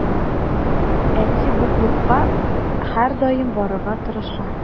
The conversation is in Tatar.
Әти бу клубка һәрдаим барырга тырыша.